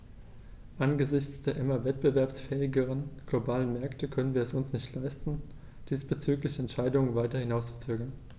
Angesichts der immer wettbewerbsfähigeren globalen Märkte können wir es uns nicht leisten, diesbezügliche Entscheidungen weiter hinauszuzögern.